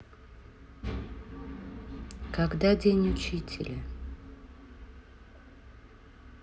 когда день учителя